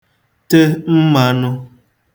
te mmānụ̄